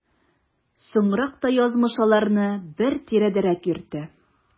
Соңрак та язмыш аларны бер тирәдәрәк йөртә.